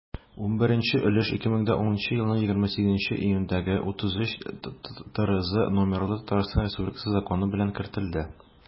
11 өлеш 2010 елның 28 июнендәге 33-трз номерлы татарстан республикасы законы белән кертелде.